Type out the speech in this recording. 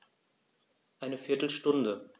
Eine viertel Stunde